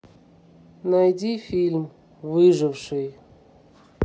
найди фильм выживший